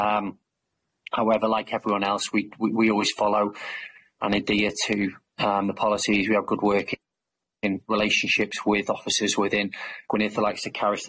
yym however like everyone else we we we always follow an idea to yym the policies we have good work in in relationships with officers within Gwynedd for likes of Cerris,